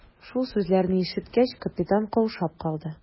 Шул сүзләрне ишеткәч, капитан каушап калды.